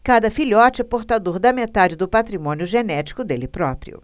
cada filhote é portador da metade do patrimônio genético dele próprio